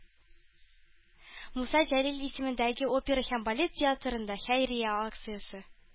Муса Җәлил исемендәге опера һәм балет театрында – хәйрия акциясе